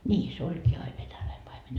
niin se olikin aina venäläinen paimen